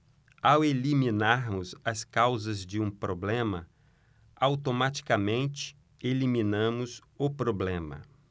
ao eliminarmos as causas de um problema automaticamente eliminamos o problema